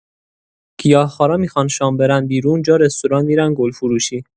گیاه‌خوارا میخوان شام برن بیرون جا رستوران می‌رن گل‌فروشی!